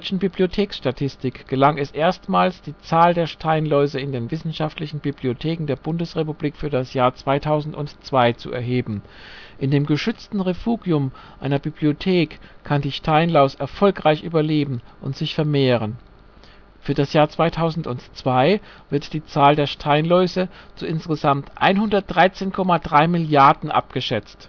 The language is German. Bibliotheksstatistik gelang es erstmals die Zahl der Steinläuse in den wissenschaftlichen Bibliotheken der Bundesrepublik für das Jahr 2002 zu erheben. In dem geschützten Refugium einer Bibliotheken kann die Steinlaus erfolgreich überleben und sich vermehren. Für das Jahr 2002 wird die Zahl der Steinläuse zu insgesamt 113,3 Milliarden abgeschätzt